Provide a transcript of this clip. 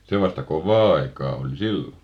se vasta kovaa aikaa oli silloin